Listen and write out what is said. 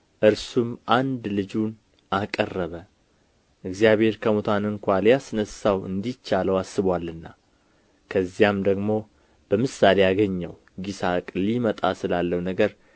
እርሱም አንድ ልጁን አቀረበ እግዚአብሔር ከሙታን እንኳ ሊያስነሣው እንዲቻለው አስቦአልና ከዚያም ደግሞ በምሳሌ አገኘው ይስሐቅ ሊመጣ ስላለው ነገር